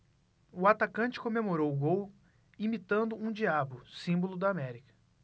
o atacante comemorou o gol imitando um diabo símbolo do américa